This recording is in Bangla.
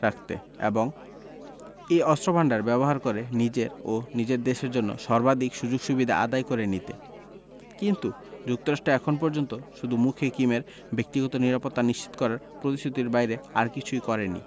রাখতে এবং এই অস্ত্রভান্ডার ব্যবহার করে নিজের ও নিজ দেশের জন্য সর্বাধিক সুযোগ সুবিধা আদায় করে নিতে কিন্তু যুক্তরাষ্ট্র এখন পর্যন্ত শুধু মুখে কিমের ব্যক্তিগত নিরাপত্তা নিশ্চিত করার প্রতিশ্রুতির বাইরে আর কিছুই করেনি